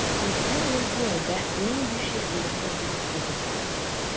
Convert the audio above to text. Узган ел бу айда 1524 иде.